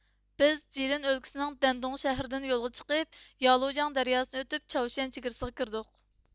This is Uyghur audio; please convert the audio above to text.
بىز جىلىن ئۆلكىسىنىڭ دەندۇڭ شەھىرىدىن يولغا چىقىپ يالۇجياڭ دەرياسىدىن ئۆتۈپ چاۋشيەن چېگرىسىغا كىردۇق